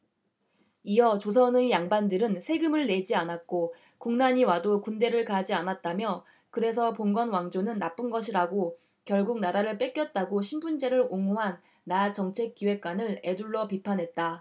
이어 조선의 양반들은 세금을 내지 않았고 국난이 와도 군대를 가지 않았다며 그래서 봉건왕조는 나쁜 것이고 결국 나라를 뺏겼다고 신분제를 옹호한 나 정책기획관을 에둘러 비판했다